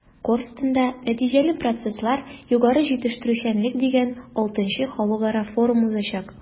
“корстон”да “нәтиҗәле процесслар-югары җитештерүчәнлек” дигән vι халыкара форум узачак.